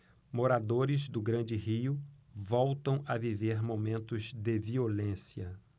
moradores do grande rio voltam a viver momentos de violência